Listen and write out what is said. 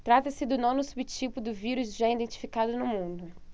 trata-se do nono subtipo do vírus já identificado no mundo